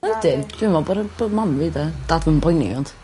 Ydyn. Dwi'n me'wl bod yy bod mam fi 'de. Dad yn poeni ond.